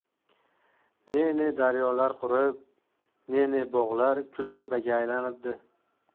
ne ne daryolar qurib ne ne bog'lar kultepaga aylanibdi